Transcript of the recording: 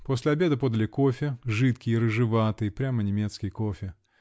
После обеда подали кофе, жидкий, рыжеватый, прямо немецкий кофе.